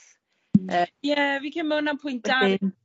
Yy. Ie fi'n credu ma' wnna'n pwynt da... Wedyn...